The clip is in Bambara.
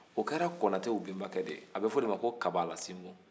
o kɛra konatew bɛnbakɛ ye a bɛ f'o ma ko kabala sinbo